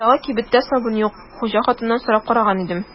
Мондагы кибеттә сабын юк, хуҗа хатыннан сорап караган идем.